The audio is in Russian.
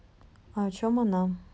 а о чем она